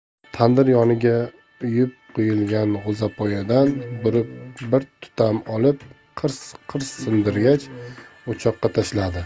tandir yoniga uyib qo'yilgan g'o'zapoyadan bir tutam olib qirs qirs sindirgach o'choqqa tashladi